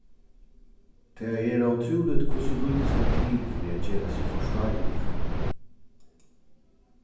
tað er ótrúligt hvussu lítið skal til fyri at gera seg forstáiliga